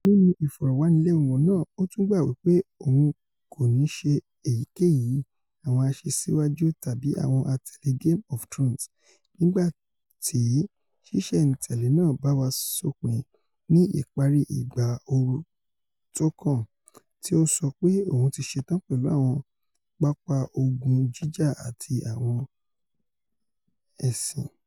nínú ìfọ̀rọ̀wánilẹ́nuwò náà o tún gbà wí pé òun kòní ṣe èyíkéyìí àwọn àṣesíwáju tàbí àwọn àtẹ̀lé Game of Thrones nígbà tí ṣíṣẹ̀-n-tẹ̀lé náà bá wá sópin ní ìparí ìgbà ooru tókàn, tí ó ńsọ pé òun ti 'ṣetán pẹ̀lú àwọn pápá ogun jíjà àti àwọn ẹsin'.